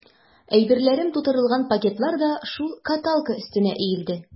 Әйберләрем тутырылган пакетлар да шул каталка өстенә өелде.